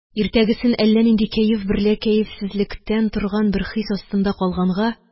Иртәгесен әллә нинди кәеф берлә кәефсезлектән торган бер хис астында калганга